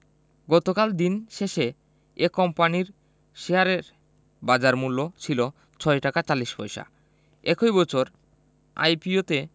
গতকাল দিন শেষে এ কোম্পানির শেয়ারের বাজারমূল্য ছিল ৬ টাকা ৪০ পয়সা একই বছর আইপিওতে